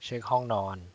เช็คห้องนอน